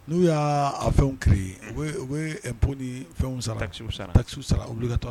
N'u y'a fɛnw ki u bɛ ni fɛnw sara ka sara ka sara olu ka tɔɔrɔ